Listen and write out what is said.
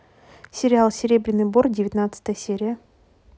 сериал серебряный бор девятнадцатая серия